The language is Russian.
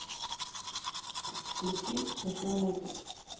включи смешной мультик